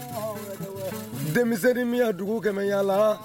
Denmisɛnnin min dugu kɛmɛ yaa